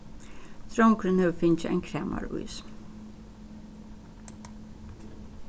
drongurin hevur fingið ein kramarís